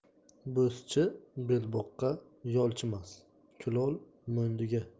bo'zchi belboqqa yolchimas kulol mo'ndiga